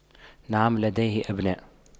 نعم لديه أبناء